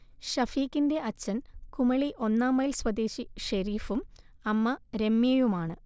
ഷഫീക്കിന്റെ അച്ഛൻ കുമളി ഒന്നാംമൈൽ സ്വദേശി ഷെരീഫും അമ്മ രമ്യയുമാണ്